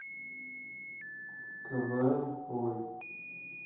квн ой